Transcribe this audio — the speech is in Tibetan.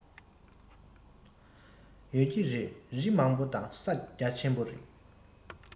ཡོད ཀྱི རེད རི མང པོ དང ས རྒྱ ཆེན པོ རེད པ